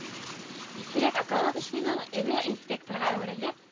Исерек околодочныйның өне инспекторга әверелеп: